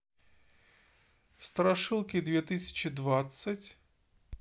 страшилки две тысячи двадцать